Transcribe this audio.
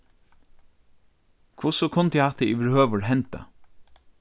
hvussu kundi hatta yvirhøvur henda